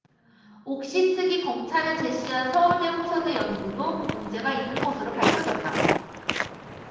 옥시 측이 검찰에 제시한 서울대 호서대 연구도 문제가 있는 것으로 밝혀졌다